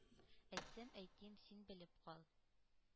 — әйтсәм әйтим, син белеп кал: